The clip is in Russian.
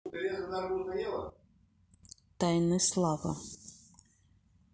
тайны слава